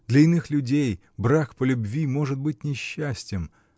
Для иных людей брак по любви может быть несчастьем